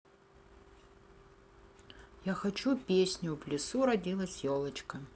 я хочу песню в лесу родилась елочка